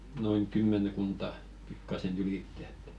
noin kymmenkunta pikkuisen ylitse että